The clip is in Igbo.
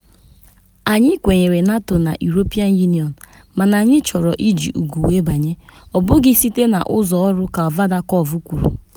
“Ekwenyere m n’ọtụtụ ndị mmadụ ga-amasị ya n’ihi karịa pasentị 80 nke ndị amaala anyị chọrọ EU na NATO,” Zaev kwuru ka ọ tụchara akwụkwọ ya.